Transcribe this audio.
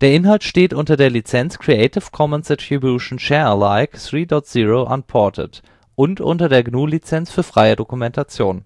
Der Inhalt steht unter der Lizenz Creative Commons Attribution Share Alike 3 Punkt 0 Unported und unter der GNU Lizenz für freie Dokumentation